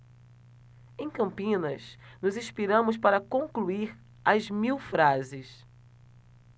em campinas nos inspiramos para concluir as mil frases